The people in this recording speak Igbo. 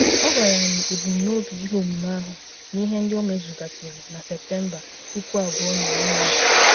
Ọ gwara anyị ebumnobi ihe omume ahụ na ihe ndị o mezugasịrị na Septemba 2011.